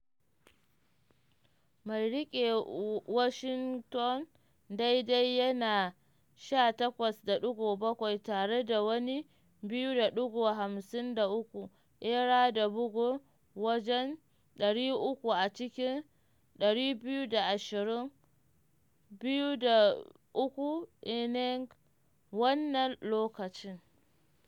Mai riƙe Washington daidai yana 18-7 tare da wani 2.53 ERA da bugun waje 300 a cikin 220 2/3 innings wannan lokacin.